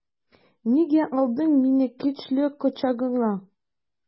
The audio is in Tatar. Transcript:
Нигә алдың мине көчле кочагыңа?